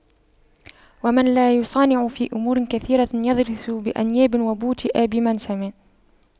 ومن لا يصانع في أمور كثيرة يضرس بأنياب ويوطأ بمنسم